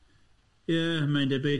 Ie, mae'n debyg.